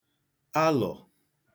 alọ̀